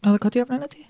Oedd o'n codi ofn arna ti?